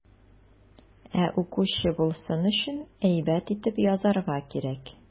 Ә укучы булсын өчен, әйбәт итеп язарга кирәк.